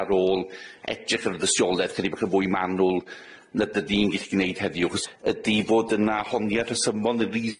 ar ôl edrych ar y dystiolaeth chydig bach yn fwy manwl na 'dyn ni'n gallu neud heddiw, achos ydi fod yna honiad rhesymol ne fydd